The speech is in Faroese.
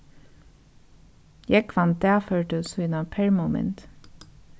jógvan dagførdi sína permumynd